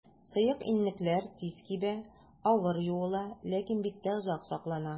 Сыек иннекләр тиз кибә, авыр юыла, ләкин биттә озак саклана.